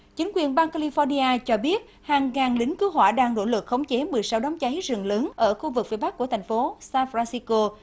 chính quyền bang ca li phóc ni a cho biết hàng ngàn lính cứu hỏa đang nỗ lực khống chế mười sau đám cháy rừng lớn ở khu vực phía bắc của thành phố san phờ ran si cô